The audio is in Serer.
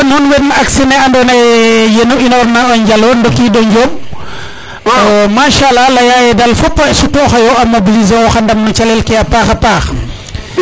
iyo nuun wey axe ne ando naye yenu inoor na o Njalo rokido Njob machala dal leya ye fopa sutoxa yo a mobiliser ox a ndam no calel ke a paxa paax